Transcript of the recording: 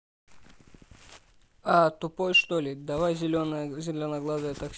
a тупой что ли давай зеленоглазое такси